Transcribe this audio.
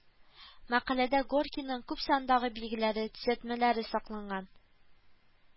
Мәкаләдә Горькийның күп сандагы билгеләре, төзәтмәләре сакланган